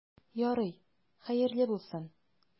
Ярый, хәерле булсын.